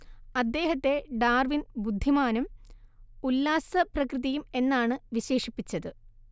അദ്ദേഹത്തെ ഡാർവിൻ ബുദ്ധിമാനും ഉല്ലാസപ്രകൃതിയും എന്നാണ് വിശേഷിപ്പിച്ചത്